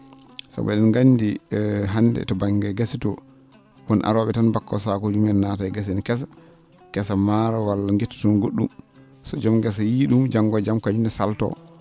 sabu e?en nganndi hannde to ba?nge gese to won aroo?e tan mbakkoo sakuuji mumen naata e gese ene kesa kesa maaro walla ngitta toon go??um so jom ngesa yii?um janngo e jam kañumne saltoo